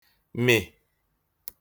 mị̀